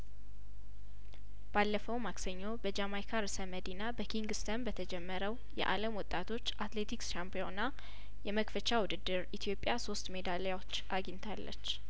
ባለፈው ማክሰኞ በጃማይካ ርእሰ መዲና በኪንግ ስተን በተጀመረው የአለም ወጣቶች አትሌቲክስ ሻምፒዮና የመክፈቻ ውድድር ኢትዮጵያ ሶስት ሜዳሊያዎች አግኝታለች